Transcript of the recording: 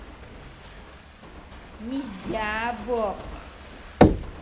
низя бог